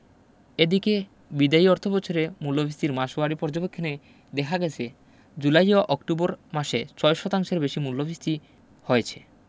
এদিকে বিদায়ী অর্থবছরের মূল্যফীসতির মাসওয়ারি পর্যবেক্ষণে দেখা গেছে জুলাই ও অক্টোবর মাসে ৬ শতাংশের বেশি মূল্যফীসতি হয়েছে